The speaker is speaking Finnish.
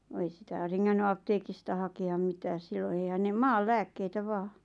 vaan ei sitä rengännyt apteekista hakea mitään silloin eihän ne maan lääkkeitä vain